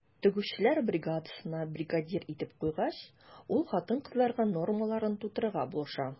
Тегүчеләр бригадасына бригадир итеп куйгач, ул хатын-кызларга нормаларын тутырырга булыша.